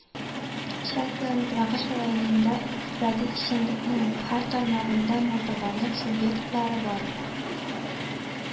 Чакилометрагыш районында икътисади эшчәнлекнең һәр тармагында малтабарлык субъектлары бар